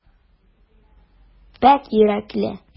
Пакь йөрәкле.